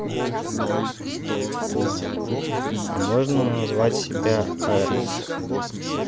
а можно назвать себя арс